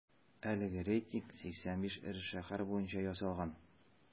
Әлеге рейтинг 85 эре шәһәр буенча ясалган.